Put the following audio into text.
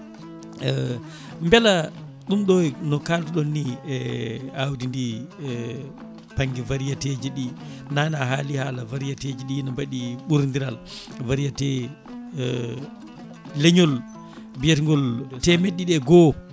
beela ɗum ɗo no kalduɗon ni e awdi ndi banggue variété ji ɗi naane a haali haala variété ji ɗi ne mbaɗi ɓurodiral variété leeñol mbiyetgol temedde ɗiɗi e goho